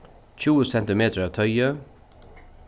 tjúgu sentimetrar av toyi